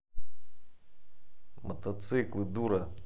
мотоциклы дура